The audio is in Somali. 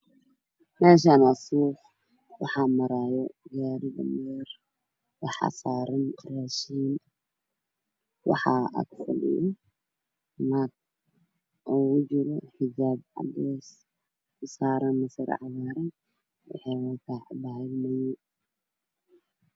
Meeshaani waa suuq waxaa maraayo gaari waxaa saaran raashiin waxaa ak fadhiyo naag oo uku jiro xijaab cadees ah u saaran masar cagaaran waxey wadataa cabaayad madow